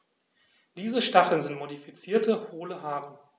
Diese Stacheln sind modifizierte, hohle Haare.